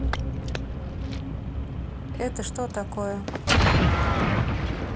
это что такое